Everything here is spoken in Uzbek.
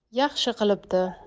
yaxshi qilibdi